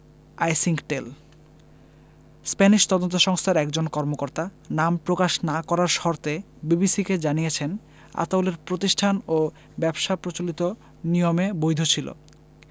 আইসিংকটেল স্প্যানিশ তদন্ত সংস্থার একজন কর্মকর্তা নাম প্রকাশ না করার শর্তে বিবিসিকে জানিয়েছেন আতাউলের প্রতিষ্ঠান ও ব্যবসা প্রচলিত নিয়মে বৈধ ছিল